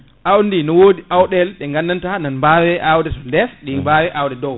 awdi ndi ne wodi awɗele ɗe gandanta na mbawe awde to nder ɗi mbawe awde dow